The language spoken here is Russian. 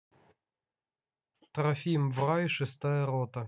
трофим в рай шестая рота